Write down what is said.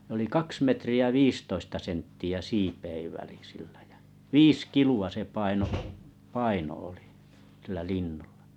ne oli kaksi metriä viisitoista senttiä siipien väli sillä ja viisi kiloa se painoi paino oli sillä linnulla